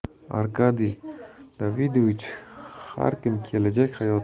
arkadiy davidovich har kim kelajak